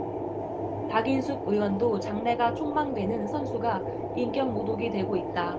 박인숙 의원도 장래가 촉망되는 선수가 인격모독이 되고 있다